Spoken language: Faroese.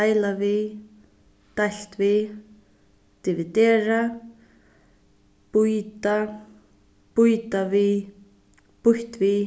deila við deilt við dividera býta býta við býtt við